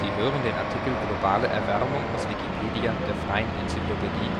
hören den Artikel Globale Erwärmung, aus Wikipedia, der freien Enzyklopädie